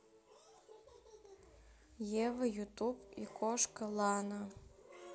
ева ютуб и кошка лана